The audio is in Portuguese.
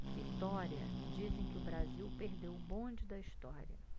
vitória dizem que o brasil perdeu o bonde da história